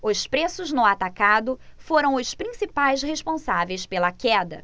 os preços no atacado foram os principais responsáveis pela queda